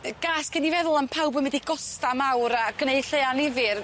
Yy gas gin i feddwl am pawb bo' mynd i gostau mawr a gneu' lle'n anifyr.